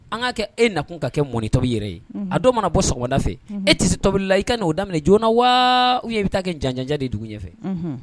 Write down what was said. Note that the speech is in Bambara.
An kaa kɛ ee nakun ka kɛ mɔni to yɛrɛ ye a dɔw mana bɔda fɛ e ti se tobili la i ka'o daminɛ joonana wa u ye bɛ taa kɛ janjanja de dugu ɲɛ fɛ